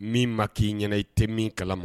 Min ma k'i ɲɛna, i tɛ min kala ma.